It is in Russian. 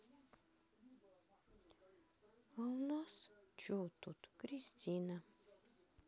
а у нас че тут кристина